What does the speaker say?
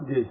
Guèye